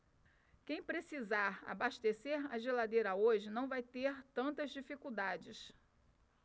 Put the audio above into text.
quem precisar abastecer a geladeira hoje não vai ter tantas dificuldades